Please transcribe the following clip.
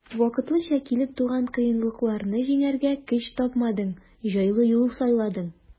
Вакытлыча килеп туган кыенлыкларны җиңәргә көч тапмадың, җайлы юл сайладың.